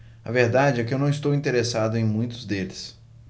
a verdade é que não estou interessado em muitos deles